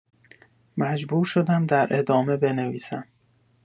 مجبور شدم در ادامه بنویسم